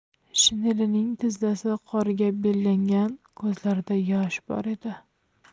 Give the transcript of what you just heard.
shinelining tizzasi qorga belangan ko'zlarida yosh bor edi